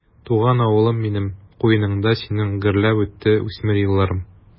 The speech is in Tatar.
Туган авылым минем, куеныңда синең гөрләп үтте үсмер елларым.